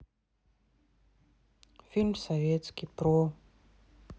фильм советский про